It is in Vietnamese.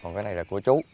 còn cái này là của chú